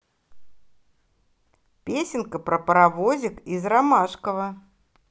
песенка про паровозик из ромашково